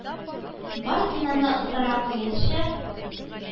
Барысыннан да остарак уенчы,